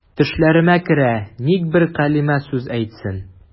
Төшләремә керә, ник бер кәлимә сүз әйтсен.